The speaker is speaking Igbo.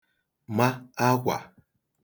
ma akwà